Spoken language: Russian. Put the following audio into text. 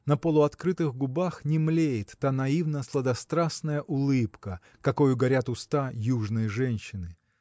на полуоткрытых губах не млеет та наивно-сладострастная улыбка какою горят уста южной женщины.